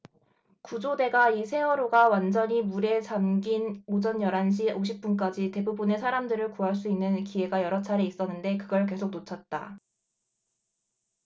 구조대가 이 세월호가 완전히 물에 잠긴 오전 열 한 시 오십 분까지 대부분의 사람들을 구할 수 있는 기회가 여러 차례 있었는데 그걸 계속 놓쳤다